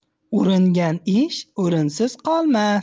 uringan ish o'rinsiz qolmas